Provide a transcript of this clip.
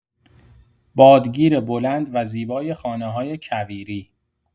بادگیر بلند و زیبای خانه‌های کویری